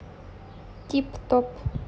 тип топ